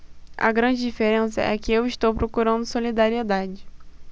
a grande diferença é que eu estou procurando solidariedade